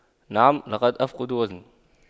نعم لقد أفقد وزني